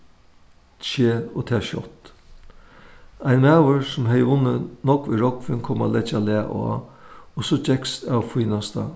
ske og tað skjótt ein maður sum hevði vunnið nógv í rógving kom at leggja lag á og so gekst av fínasta